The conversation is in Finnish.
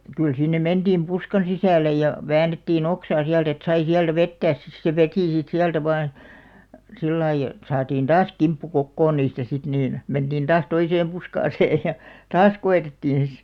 kyllä sinne mentiin puskan sisälle ja väännettiin oksaa sieltä että sai sieltä vetää sitten se veti sitten sieltä vain sillä lailla että saatiin taas kimppu kokoon niistä sitten niin mentiin taas toiseen puskaan ja taas koetettiin sitten